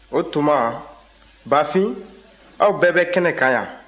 o tuma bafin aw bɛɛ bɛ kɛnɛ kan yan